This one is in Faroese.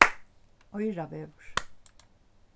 oyravegur